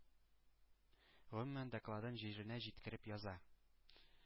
Гомумән, докладын җиренә җиткереп яза